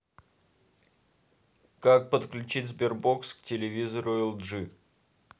как подключить sberbox к телевизору lg